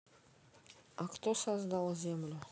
а кто создал землю